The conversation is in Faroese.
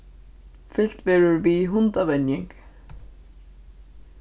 fylgt verður við hundavenjing